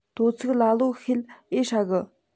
དོ ཚིགས ལ ལོ ཤེད ཨེ ཧྲ གི